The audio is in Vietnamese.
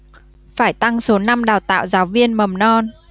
phải tăng số năm đào tạo giáo viên mầm non